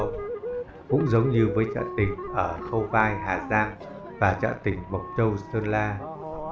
cũng giống với chợ tình ở khâu vai